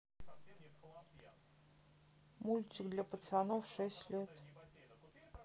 мультики для пацанов шесть лет